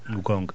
goonga